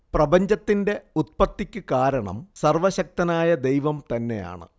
പ്രപഞ്ചത്തിന്റെ ഉത്പ്പത്തിക്കുകാരണം സർവശക്തനായ ദൈവം തന്നെയാണ്